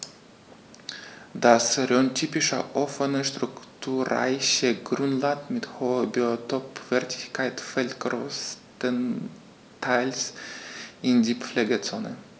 Das rhöntypische offene, strukturreiche Grünland mit hoher Biotopwertigkeit fällt größtenteils in die Pflegezone.